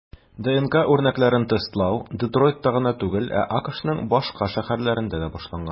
ДНК үрнәкләрен тестлау Детройтта гына түгел, ә АКШның башка шәһәрләрендә дә башланган.